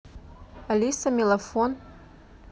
алиса мелафон